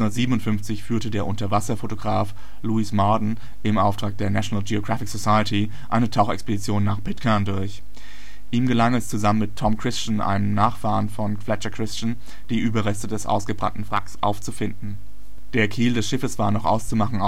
1957 führte der Unterwasserfotograf Louis Marden im Auftrag der National Geographic Society eine Tauchexpedition nach Pitcairn durch. Ihm gelang es, zusammen mit Tom Christian, einem Nachfahren von Fletcher Christian, die Überreste des ausgebrannten Wracks aufzufinden. Der Kiel des Schiffes war noch auszumachen